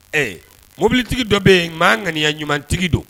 Ɛɛ mobilitigi dɔ bɛ yen maa ŋaniyaɲuman tigi don